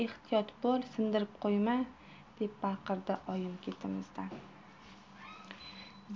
ehtiyot bo'l sindirib qo'yma deb baqirdi oyim ketimizdan